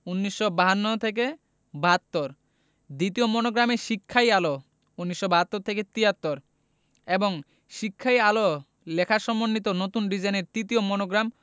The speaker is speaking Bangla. ১৯৫২ ৭২ দ্বিতীয় মনোগ্রামে শিক্ষাই আলো ১৯৭২ ৭৩ এবং শিক্ষাই আলো লেখা সম্বলিত নতুন ডিজাইনের তৃতীয় মনোগ্রাম